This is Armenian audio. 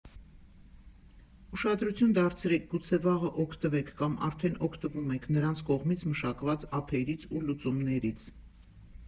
Ուշադրություն դարձրեք, գուցե վաղը օգտվեք (կամ արդեն օգտվում եք) նրանց կողմից մշակված ափերից ու լուծումներից։